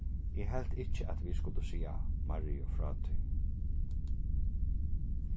eg helt ikki at vit skuldu siga mariu frá tí